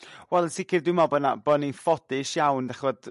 Wel yn sicr dwi'n me'wl bo 'na bo ni'n ffodus iawn d'ch'mod?